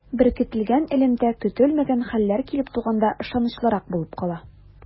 Беркетелгән элемтә көтелмәгән хәлләр килеп туганда ышанычлырак булып кала.